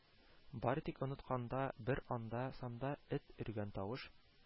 Бары тик онытканда бер анда-санда эт өргән тавыш